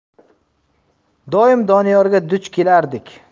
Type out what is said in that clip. doim doniyorga duch kelardik